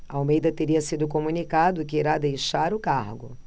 almeida teria sido comunicado que irá deixar o cargo